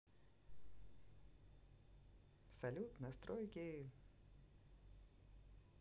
салют настройки